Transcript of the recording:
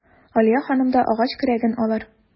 Алия ханым да агач көрәген алыр.